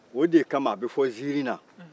o de kama a bɛ fɔn nsiiri la